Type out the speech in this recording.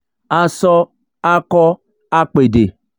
A sọ, a kọ, a p'èdè.